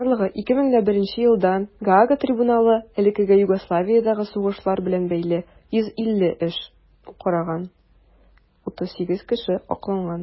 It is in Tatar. Барлыгы 2001 елдан Гаага трибуналы элеккеге Югославиядәге сугышлар белән бәйле 150 эш караган; 38 кеше акланган.